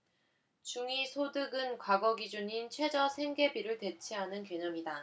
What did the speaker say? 중위소득은 과거 기준인 최저생계비를 대체하는 개념이다